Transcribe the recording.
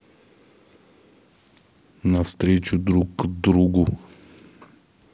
навстречу друг к другу